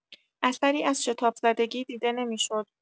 اثری از شتابزدگی دیده نمی‌شد.